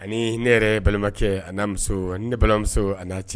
Ani ne yɛrɛ balimakɛ a muso ni balimamuso a naa cɛ